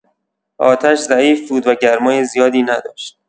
آتش ضعیف بود و گرمای زیادی نداشت.